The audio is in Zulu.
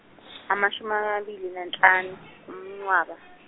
amashumi amabili nanhlanu ucwaba.